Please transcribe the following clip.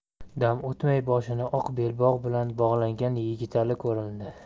dam o'tmay boshini oq belbog' bilan bog'lagan yigitali ko'rindi